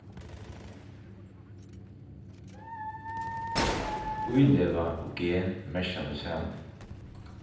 ílega og gen merkja tað sama